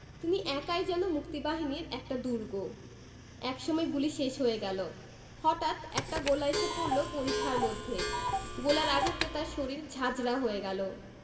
তিনি একাই যেন মুক্তিবাহিনীর একটা দুর্গ একসময় গুলি শেষ হয়ে গেল হটাঠ একটা গোলা এসে পড়ল পরিখার মধ্যে গোলার আঘাতে তার শরীর ঝাঁঝরা হয়ে গেল